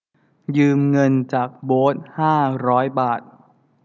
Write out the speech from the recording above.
ยืมเงินจากโบ๊ทห้าร้อยบาท